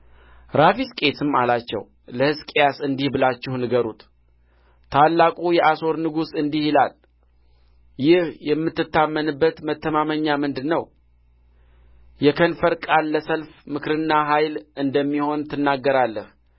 ራፋስቂስም አላቸው ለሕዝቅያስ እንዲህ ብላችሁ ንገሩት ታላቁ የአሦር ንጉሥ እንዲህ ይላል ይህ የምትታመንበት መተማመኛ ምንድር ነው የከንፈር ቃል ለሰልፍ ምክርና ኃይል እንደሚሆን ትናገራለህ